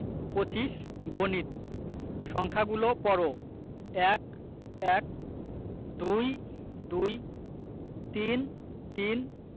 ২৫ গণিত সংখ্যাগুলো পড়ঃ ১ - এক ২ - দুই ৩ - তিন